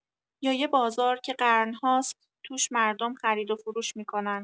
یا یه بازار که قرن‌هاست توش مردم خرید و فروش می‌کنن.